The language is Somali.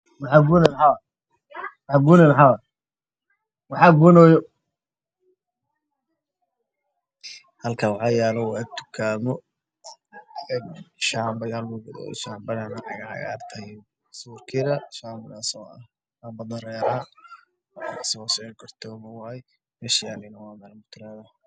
Halkan waxaa yaalo dukaamo oo caagag ku jiro